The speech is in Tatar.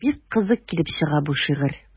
Бик кызык килеп чыга бу шигырь.